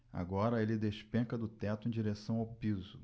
agora ele despenca do teto em direção ao piso